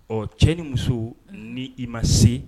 Ɔ cɛ ni muso ni i ma se